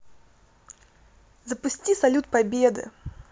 запусти салют победы